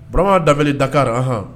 Urama daɛlɛ dakari anɔn